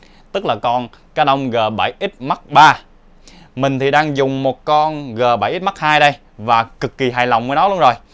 tức là con canon g x mark iii mình đang dùng một con g x mark ii và cực kỳ hài lòng với nó luôn rồi